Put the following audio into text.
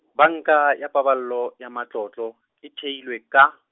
Banka, ya Paballo, ya Matlotlo, e theilwe ka.